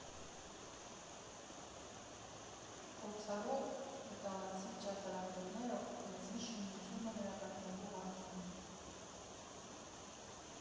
Փորձառու իտալացի ճարտարապետները օգնեցին շինությունը վերականգնելու հարցում։